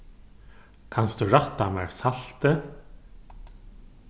kanst tú rætta mær saltið